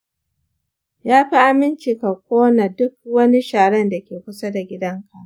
yafi aminci ka kona duk wani sharan dake kusa da gidanka.